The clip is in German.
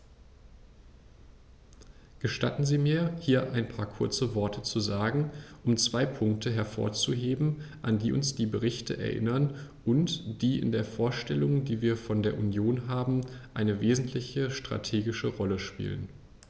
Gestatten Sie mir, hier ein paar kurze Worte zu sagen, um zwei Punkte hervorzuheben, an die uns diese Berichte erinnern und die in der Vorstellung, die wir von der Union haben, eine wesentliche strategische Rolle spielen.